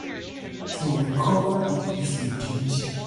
To recover it is a duty."